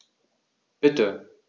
Bitte.